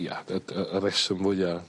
ia y d- y reswm fwya